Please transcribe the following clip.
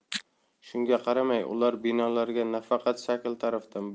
shunga qaramay ular binolarga nafaqat shakl tarafdan